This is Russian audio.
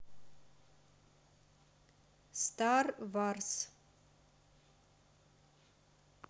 стар варс